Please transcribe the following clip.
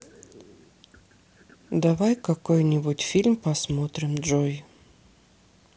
давай какой нибудь фильм посмотрим джой